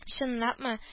— чыннапмы